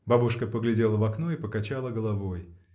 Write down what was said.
Бабушка поглядела в окно и покачала головой.